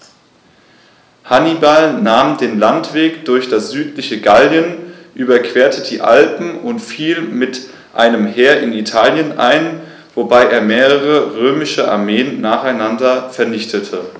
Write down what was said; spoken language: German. Hannibal nahm den Landweg durch das südliche Gallien, überquerte die Alpen und fiel mit einem Heer in Italien ein, wobei er mehrere römische Armeen nacheinander vernichtete.